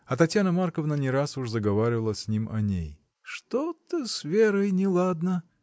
А Татьяна Марковна не раз уж заговаривала с ним о ней. — Что-то с Верой неладно!